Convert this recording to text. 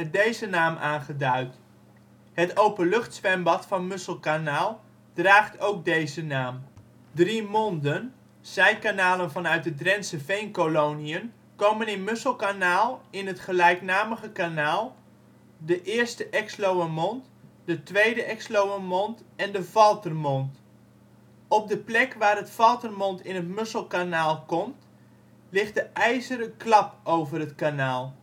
deze naam aangeduid. Het openluchtzwembad van Musselkanaal draagt ook deze naam. Bankbeeld Chris Verbeek Musselkanaal Drie " monden ", zijkanalen vanuit de Drentse Veenkoloniën komen in Musselkanaal in het gelijknamige kanaal: De Eerste Exloërmond, de Tweede Exloërmond en de Valthermond. Op de plek waar het Valthermond in het Musselkanaal komt ligt de IJzeren klap over het kanaal